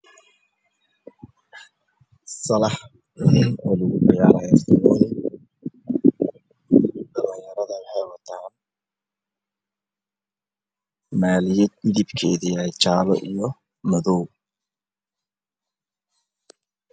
Halkaan waxaa ka muuqdo wiilal banooni dheelaayo fanaanada ay qabaan waa jaalo iyo madaw